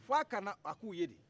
f'a ka na a k'u ye de